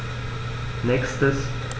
Nächstes.